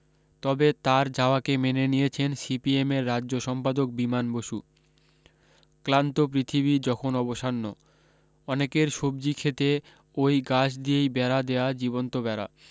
তবে তার যাওয়াকে মেনে নিয়েছেন সিপিএমের রাজ্য সম্পাদক বিমান বসু ক্লান্ত পৃথিবী যখন অবসান্ন অনেকের সবজি ক্ষেতে ওই গাছ দিয়েই বেড়া দেয়া জীবন্ত বেড়া